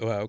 waaw